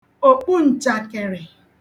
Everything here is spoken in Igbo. okpuǹchàkị̀rị̀